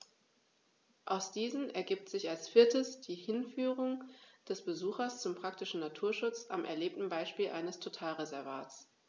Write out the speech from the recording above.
Aus diesen ergibt sich als viertes die Hinführung des Besuchers zum praktischen Naturschutz am erlebten Beispiel eines Totalreservats.